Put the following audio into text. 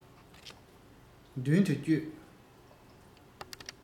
མདུན དུ བསྐྱོད